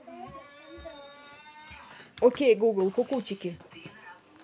окей гугл кукутики